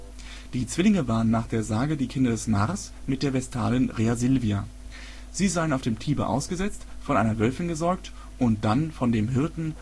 Zwillinge waren nach der Sage die Kinder des Mars mit der Vestalin Rhea Silvia. Sie seien auf dem Tiber ausgesetzt, von einer Wölfin gesäugt und dann von dem Hirten